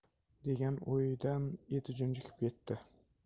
degan o'ydan eti junjikib ketdi